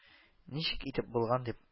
Ничек итеп булган, дип